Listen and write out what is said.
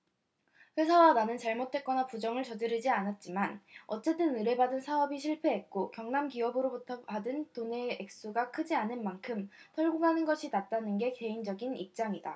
회사와 나는 잘못했거나 부정을 저지르지 않았지만 어쨌든 의뢰받은 사업이 실패했고 경남기업으로부터 받은 돈의 액수가 크지 않은 만큼 털고 가는 것이 낫다는 게 개인적인 입장이다